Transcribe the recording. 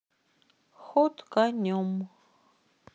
ход конем